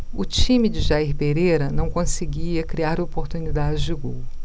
o time de jair pereira não conseguia criar oportunidades de gol